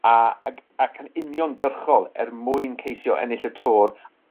a ag ac yn uniongyrchol er mwyn ceisio ennill y Tour